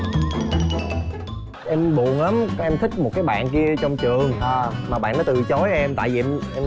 em buồn lắm em thích một cái bạn kia trong trường mà bạn đã từ chối em tại huyện